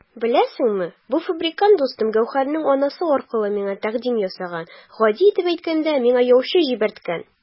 Беләсеңме, бу фабрикант дустым Гәүһәрнең анасы аркылы миңа тәкъдим ясаган, гади итеп әйткәндә, миңа яучы җибәрткән!